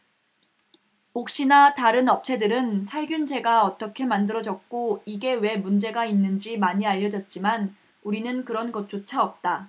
옥시나 다른 업체들은 살균제가 어떻게 만들어졌고 이게 왜 문제가 있는지 많이 알려졌지만 우리는 그런 것조차 없다